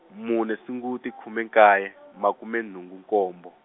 mune Sunguti khume nkaye, makume nhungu nkombo.